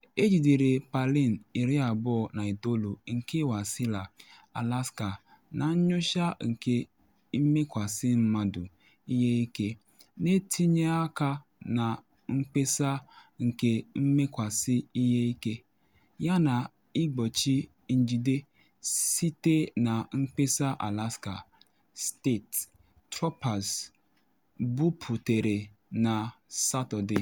Ejidere Palin, 29, nke Wasilla, Alaska, na nyocha nke ịmekwasị mmadụ ihe ike, na etinye aka na mkpesa nke mmekwasị ihe ike yana igbochi njide, site na mkpesa Alaska State Troopers buputere na Satọde.